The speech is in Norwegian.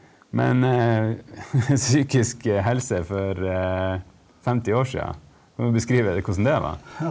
men psykisk helse for 50 år sia, kan du beskrive det hvordan det var?